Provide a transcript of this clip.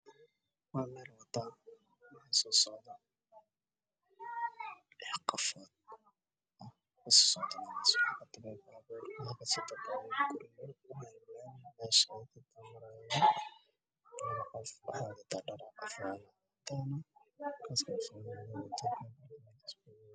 Meeshan meel laami ah waxaa marayo nin wata fanaan madow ah midowgiisuna waa madow waxaa ka dambeeyo dabaq dheer oo cadaan